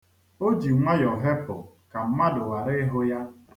O ji nwayọ hepụ ka mmadụ ghara ịhụ ya.